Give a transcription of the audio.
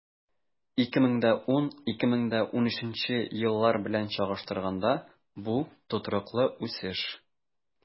2010-2013 еллар белән чагыштырганда, бу тотрыклы үсеш.